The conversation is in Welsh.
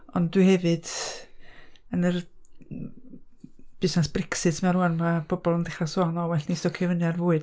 Ond dwi hefyd, yn yr busnes Brexit 'ma rŵan, mae bobl yn dechrau sôn, wel, well ni stocio fyny ar fwyd.